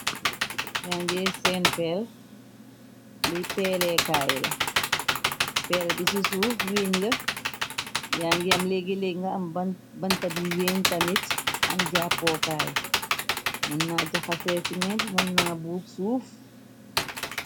Yangee seen pel li peeleekaay la pel bi ci suuf weeñ la yaa ngi am leegi leg nga am bantabi weeñ tamit am jàppookaay munna jaxaseecimen munna bu suuf.